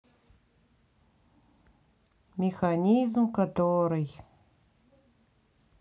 механизм который